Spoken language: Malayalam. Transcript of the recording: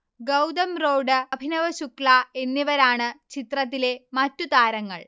ഗൗതം റോഢ്, അഭിനവ് ശുക്ല എന്നിവരാണ് ചിത്രത്തിലെ മറ്റു താരങ്ങൾ